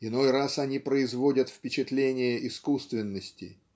Иной раз они производят впечатление искусственности